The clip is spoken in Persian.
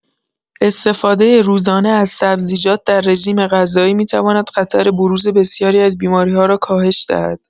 استفاده روزانه از سبزیجات در رژیم‌غذایی می‌تواند خطر بروز بسیاری از بیماری‌ها را کاهش دهد.